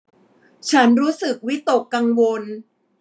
ฉันรู้สึกวิตกกังวล